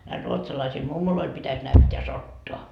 näille ruotsalaisille mummoille pitäisi näyttää sotaa